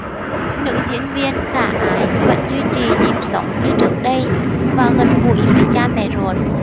nữ diễn viên khả ái vẫn duy trì nếp sống như trước đây và gần gũi với cha mẹ ruột